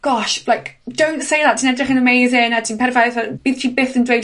gosh, like don't say that ti'n edrych yn amazing a ti'n perffaith a bydd ti byth yn dweud